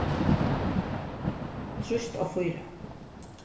trýst á fýra